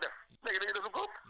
seen yoon nekkatu ci léegi